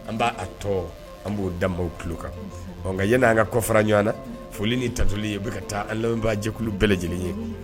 An b'a tɔ an b'o da maw tulo kan, ɔ nka yan'an ka kɔfara ɲɔgɔn na, foli ni tanuli o bɛ ka taa lamɛnbaajɛkulu bɛɛ lajɛlen ye.